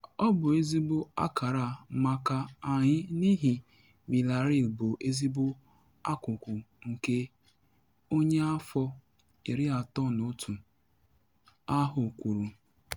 “Ọ bụ ezigbo akara maka anyị n’ihi Villareal bụ ezigbo akụkụ,” nke onye afọ 31 ahụ kwuru.